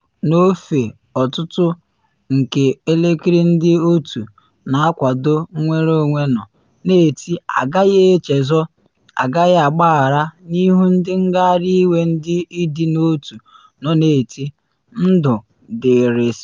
N’ofe ọtụtụ aka elekere ndị otu na akwado nnwere onwe nọ na eti “Agaghị echezọ, agaghị agbahara” n’ihu ndị ngagharị iwe ndị ịdị n’otu nọ na eti, “Ndụ dịịrị Spain.”